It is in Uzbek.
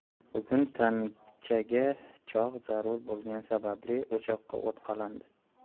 bugun tanchaga cho'g' zarur bo'lgani sababli o'choqqa o't qalandi